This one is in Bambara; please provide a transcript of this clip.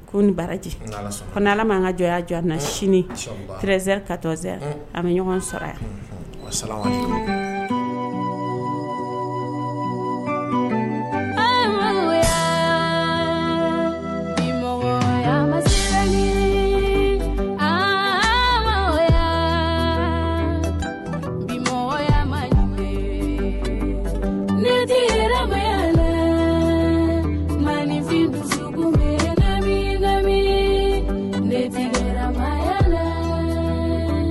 Ko ni baraji ko ala ma an kajɔya jɔ a na sini tireze ka toz a bɛ ɲɔgɔn sɔrɔ faama mɔgɔ letiya le ma bɛ lejiya le